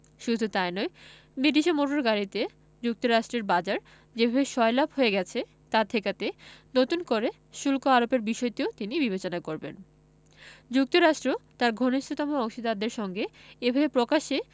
শুধু তা ই নয় বিদেশি মোটর গাড়িতে যুক্তরাষ্ট্রের বাজার যেভাবে সয়লাব হয়ে গেছে তা ঠেকাতে নতুন করে শুল্ক আরোপের বিষয়টিও তিনি বিবেচনা করবেন যুক্তরাষ্ট্র তার ঘনিষ্ঠতম অংশীদারদের সঙ্গে এভাবে প্রকাশ্যে